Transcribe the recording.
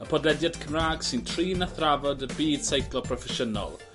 y podlediad Cymra'g sy'n trin a thrafod y byd seiclo proffesiynol.